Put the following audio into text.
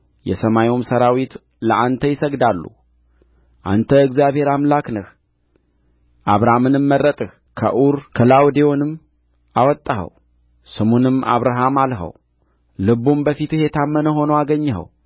የሰማዩም ሠራዊት ለአንተ ይሰግዳሉ አንተ እግዚአብሔር አምላክ ነህ አብራምን መረጥህ ከዑር ከላውዴዎንም አወጣኸው ስሙንም አብርሃም አልኸው ልቡም በፊትህ የታመነ ሆኖ አገኘኸው